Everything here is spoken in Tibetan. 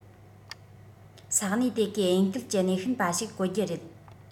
ས གནས དེ གའི དབྱིན སྐད ཀྱི སྣེ ཤན པ ཞིག བཀོལ རྒྱུ རེད